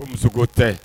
Muso tɛ